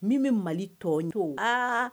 Min bɛ mali tɔjo